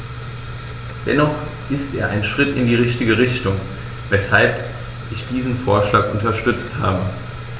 Dennoch ist er ein Schritt in die richtige Richtung, weshalb ich diesen Vorschlag unterstützt habe.